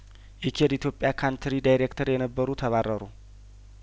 የኬር ኢትዮጵያካንትሪ ዳይሬይክተር የነበሩ ተባረሩ